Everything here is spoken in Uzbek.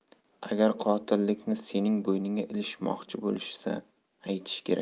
agar qotillikni sening bo'yningga ilishmoqchi bo'lishsa aytish kerak